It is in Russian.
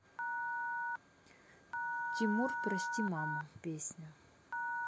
тимур прости мама песня